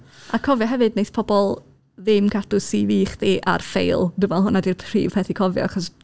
A cofia hefyd, wneith pobl ddim cadw CV chdi ar ffeil. Dwi'n meddwl hwnna 'di'r prif peth i cofio, achos...